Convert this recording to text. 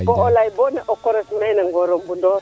bo'o lay boo ni' o kores mene Ngor o Ndundoox